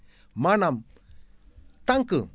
maanaam tant que